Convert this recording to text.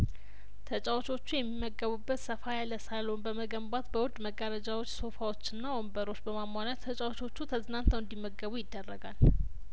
ተጫዋቾቹ የሚመ ገቡበት ሰፋ ያለሳሎን በመገንባት በውድ መጋረጃዎች ሶፋዎችና ወን በሮች በማሟላት ተጫዋቾቹ ተዝናንተው እንዲ መገብ ይደረጋል